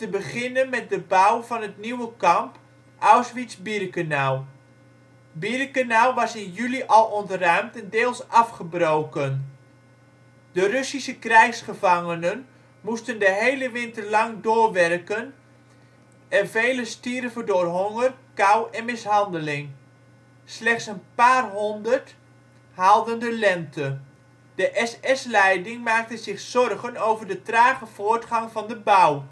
beginnen met de bouw van het nieuwe kamp, Auschwitz-Birkenau. Birkenau was in juli al ontruimd en deels afgebroken. De Russische krijgsgevangenen moesten de hele winter lang doorwerken en velen stierven door honger, kou en mishandeling; slechts een paar honderd haalden de lente. De SS-leiding maakte zich zorgen over de trage voortgang van de bouw